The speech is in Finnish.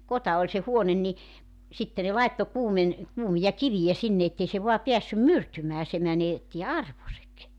kota oli se huone niin sitten ne laittoi - kuumia kiviä sinne että ei se vain päässyt myrtymään se menetti arvonsa